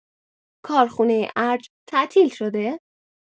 کارخونه ارج تعطیل شده؟